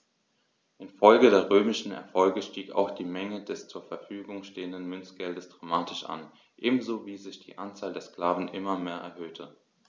Infolge der römischen Erfolge stieg auch die Menge des zur Verfügung stehenden Münzgeldes dramatisch an, ebenso wie sich die Anzahl der Sklaven immer mehr erhöhte.